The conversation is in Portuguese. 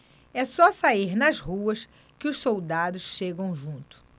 é só sair nas ruas que os soldados chegam junto